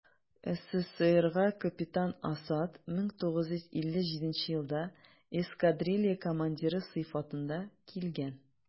СССРга капитан Асад 1957 елда эскадрилья командиры сыйфатында килгән.